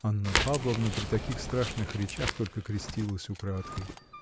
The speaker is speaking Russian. Анна Павловна, при таких страшных речах, только крестилась украдкой.